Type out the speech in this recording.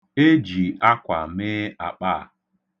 E ji akwa mee akpa a.